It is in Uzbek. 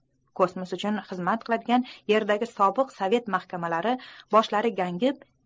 kosmos uchun xizmat qiladigan yerdagi sobiq sovet mahkamalari boshlari gangib